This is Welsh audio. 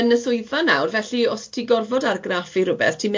yn y swyddfa nawr, felly os ti'n gorfod argraffu rwbeth ti'n